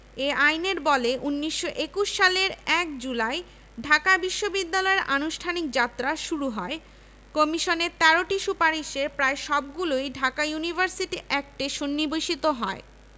এ আইনের বলে ১৯২১ সালের ১ জুলাই ঢাকা বিশ্ববিদ্যালয়ের আনুষ্ঠানিক যাত্রা শুরু হয় কমিশনের ১৩টি সুপারিশের প্রায় সবগুলিই ঢাকা ইউনিভার্সিটি অ্যাক্টে সন্নিবেশিত হয়